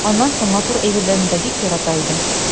Аннан соң матур әйберләрне дә бик ярата идем.